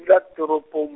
dula toropong.